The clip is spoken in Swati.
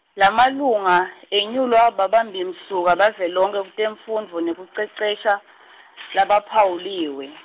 Lamalunga, enyulwa babambimsuka bavelonkhe kutemfundvo nekucecesha, labaphawuliwe.